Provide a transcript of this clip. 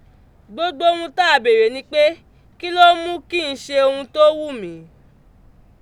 Gbogbo ohun tá a béèrè ni pé, Kí ló ń mú kí n ṣe ohun tó wù mí?